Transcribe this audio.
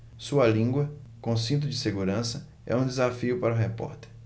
sua língua com cinto de segurança é um desafio para o repórter